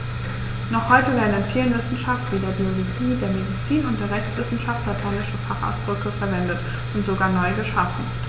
Noch heute werden in vielen Wissenschaften wie der Biologie, der Medizin und der Rechtswissenschaft lateinische Fachausdrücke verwendet und sogar neu geschaffen.